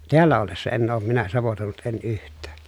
täällä ollessa en ole minä savotoinut en yhtään